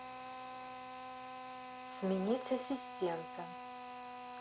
сменить ассистента